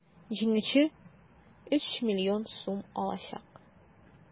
Җиңүче 3 млн сум алачак.